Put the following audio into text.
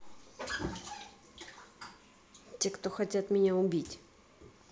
те кто хотят меня убить